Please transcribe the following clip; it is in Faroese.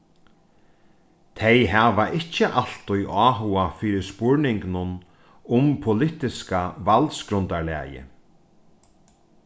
tey hava ikki altíð áhuga fyri spurningunum um politiska valdsgrundarlagið